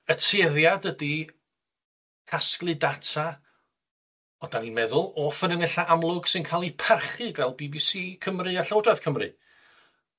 Y tueddiad ydi casglu data, odan ni'n meddwl, o ffynonella amlwg sy'n ca'l 'i parchu fel Bee Bee See Cymru a Llywodraeth Cymru.